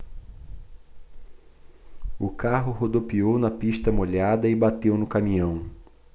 o carro rodopiou na pista molhada e bateu no caminhão